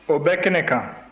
o bɛ kɛnɛ kan